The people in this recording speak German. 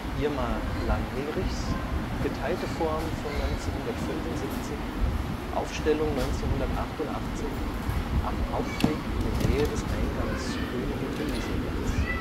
Irma Langhinrichs: Geteilte Form von 1975, Aufstellung 1988, am Hauptweg in der Nähe des Eingangs Königin-Luise-Platz